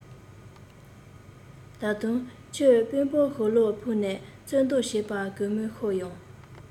ད དུང ཁྱོད དཔོན པོར ཞུ ལོག ཕུལ ནས རྩོད འདོད བྱེད པ གད མོ ཤོར ཡོང